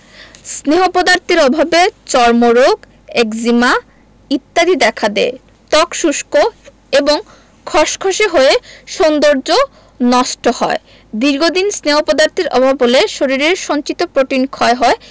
স্নেহ পদার্থের অভাবে চর্মরোগ একজিমা ইত্যাদি দেখা দেয় ত্বক শুষ্ক এবং খসখসে হয়ে সৌন্দর্য নষ্ট হয় দীর্ঘদিন স্নেহ পদার্থের অভাব হলে শরীরের সঞ্চিত প্রোটিন ক্ষয় হয়